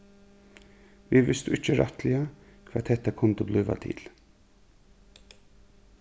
vit vistu ikki rættiliga hvat hetta kundi blíva til